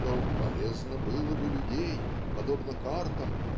что "полезно было бы людей подобно картам